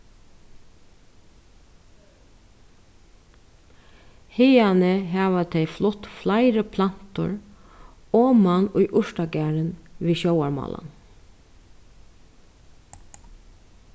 haðani hava tey flutt fleiri plantur oman í urtagarðin við sjóvarmálan